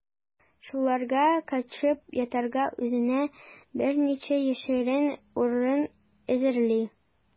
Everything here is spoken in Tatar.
Шуларда качып ятарга үзенә берничә яшерен урын әзерли.